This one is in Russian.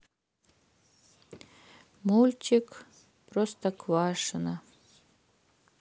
мультик простокваша